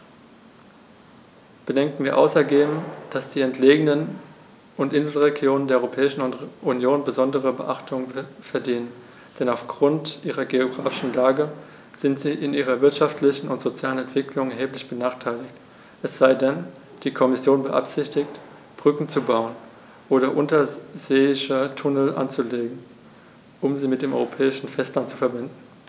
Bedenken wir außerdem, dass die entlegenen und Inselregionen der Europäischen Union besondere Beachtung verdienen, denn auf Grund ihrer geographischen Lage sind sie in ihrer wirtschaftlichen und sozialen Entwicklung erheblich benachteiligt - es sei denn, die Kommission beabsichtigt, Brücken zu bauen oder unterseeische Tunnel anzulegen, um sie mit dem europäischen Festland zu verbinden.